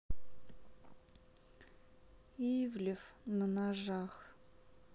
ивлев на ножах